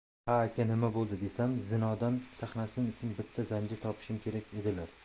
ha aka nima bo'ldi desam zindon sahnasi uchun bitta zanjir topishim kerak dedilar